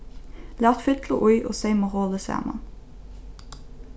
lat fyllu í og seyma holið saman